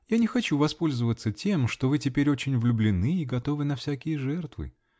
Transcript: Я не хочу воспользоваться тем, что вы теперь очень влюблены и готовы на всякие жертвы.